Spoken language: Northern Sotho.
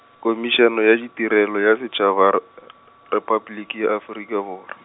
Khomišene ya di Tirelo ya Setšhaba r- , Repabliki ya Afrika borwa.